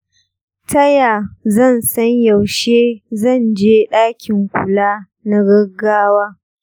ta ya zan san yaushe zanje ɗakin kula na gaggawa?